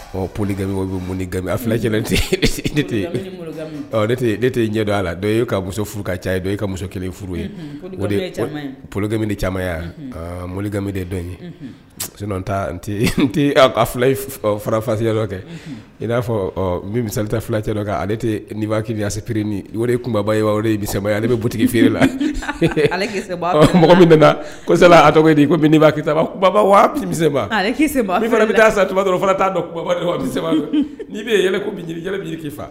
Ɔoli e tɛ ɲɛ don a la ye ka muso furu ka ca ye e ka muso kelen furu ye o de polimi caman mɔmi de dɔn ye n tɛ fila farafasiya dɔ kɛ i n'a fɔ min seli filacɛ dɔ kan alepri ni kunba ye wa oba ale bɛ butigi feere la mɔgɔ min na ko a tɔgɔ ko baba fana bɛ taa sa tuba dɔrɔn taa fɛ n'i b' k' faa